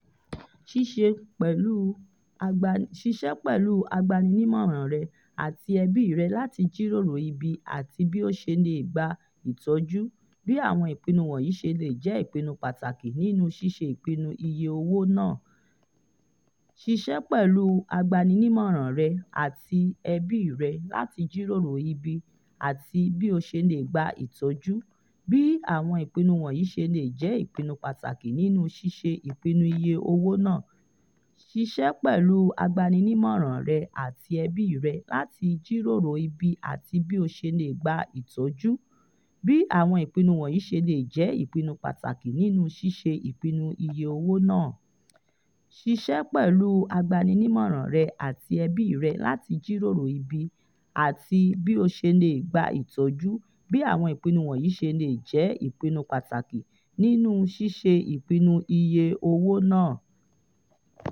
Ṣíṣe pẹ̀lú agbanínimọran rẹ̀ àti ẹbí rẹ̀ láti jíròrò ibi àti bí ó ṣe le gba ìtọ́jú, bí àwọn ìpinnu wọ̀nyí ṣe lè jẹ́ ìpinnu pàtàkì Nínú ṣíṣe ìpinnu iye owó náà.